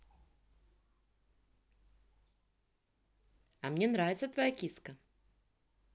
а мне нравится твоя киска